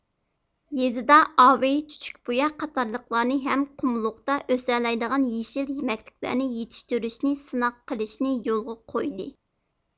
يېزىدا ئاۋېي چۈچۈكبۇيا قاتارلىقلارنى ھەم قۇملۇقتا ئۆسەلەيدىغان يېشىل يېمەكلىكلەرنى يېتىشتۈرۈشنى سىناق قىلىشنى يولغا قويدى